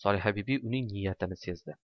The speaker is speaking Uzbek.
solihabibi uning niyatini sezdi